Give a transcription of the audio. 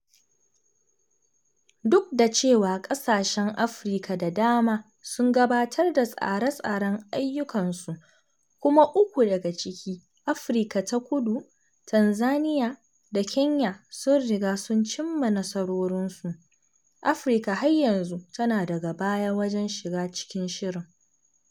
Duk da cewa ƙasashen Afrika da dama sun gabatar da tsare-tsaren ayyukansu, kuma uku daga ciki, Afrika ta Kudu, Tanzania, da Kenya sun riga sun cimma nasarorin su, Afrika har yanzu tana daga baya wajen shiga cikin shirin.